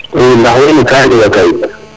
i ndax wene ga njega kayit